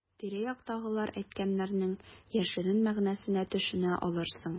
Тирә-яктагылар әйткәннәрнең яшерен мәгънәсенә төшенә алырсың.